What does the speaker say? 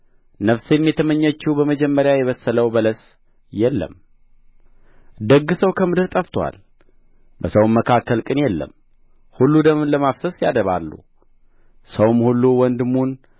ነፍሴም የተመኘችው በመጀመሪያ የበሰለው በለስ የለም ደግ ሰው ከምድር ጠፍቶአል በሰውም መካከል ቅን የለም ሁሉ ደምን ለማፍሰስ ያደባሉ ሰውም ሁሉ ወንድሙን